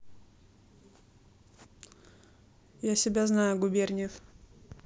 я себя знаю губерниев